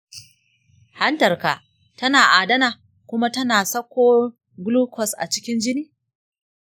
hantar ka tana adana kuma tana sako glucose a cikin jini.